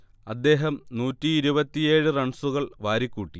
അദ്ദേഹം നൂറ്റിയിരുപത്തിയേഴ് റൺസുകൾ വാരിക്കൂട്ടി